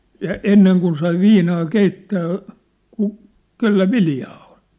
ja ennen kun sai viinaa keittää - kenellä viljaa on